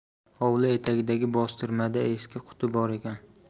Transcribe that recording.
hovli etagidagi bostirmada eski quti bor ekan